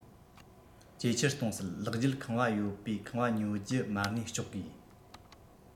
ཇེ ཆེར གཏོང སྲིད ལག བརྒྱུད ཁང པ ཡོད པའི ཁང བ ཉོ རྒྱུ གྱི མ གནས གཅོག དགོས